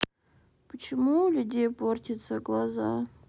почему у людей портятся глаза